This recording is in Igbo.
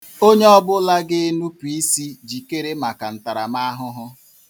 Onye ọbula ga-enupu isi jikere maka ntaramahụhụ.